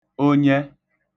onyẹ